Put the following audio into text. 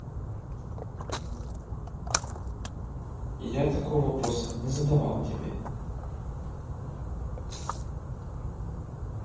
я такого вопроса не задавал тебе